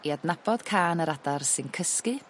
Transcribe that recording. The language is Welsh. ...i adnabod cân yr adar sy'n cysgu